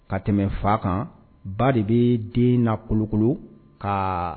Ka tɛmɛ fa kan ba de bɛ den na kolokolo ka